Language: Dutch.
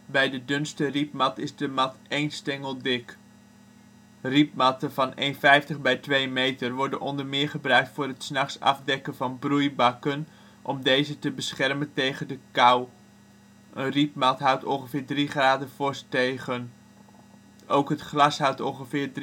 Bij de dunste rietmat is de mat één stengel dik. Rietmatten van 150 x 200 cm worden onder meer gebruikt voor het ' s nachts afdekken van broeibakken om deze te beschermen tegen de kou. Een rietmat houdt ongeveer 3 °C vorst tegen. Ook het glas houdt ongeveer